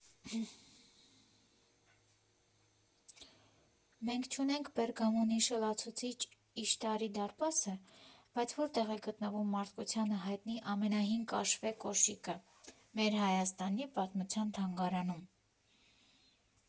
Մենք չունենք Պերգամոնի շլացուցիչ Իշտարի դարպա՞սը, բայց որտե՞ղ է գտնվում մարդկությանը հայտնի ամենահին կաշվե կոշիկը (մեր՝ Հայաստանի պատմության թանգարանում)։